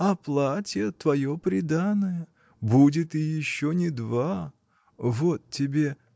А платья — твое приданое: будет и еще не два. Вот тебе.